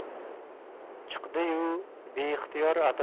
chiqdi yu beixtiyor